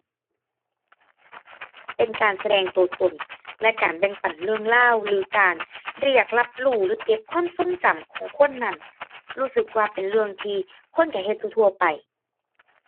เป็นการแสดงตัวตน และการแบ่งปันเรื่องราว หรือการเรียกรับรู้หรือเก็บความทรงจำของคนนั้น รู้สึกว่าเป็นเรื่องที่คนตัวเฮ็ดทั่วทั่วไป